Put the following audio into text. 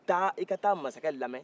taa i ka taa masakɛ lamɛn